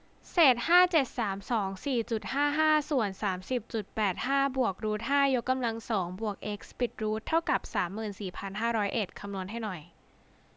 เศษห้าเจ็ดสามสองสี่จุดห้าห้าส่วนสามสิบจุดแปดห้าบวกรูทห้ายกกำลังสองบวกเอ็กซ์ปิดรูทเท่ากับสามหมื่นสี่พันห้าร้อยเอ็ดคำนวณให้หน่อย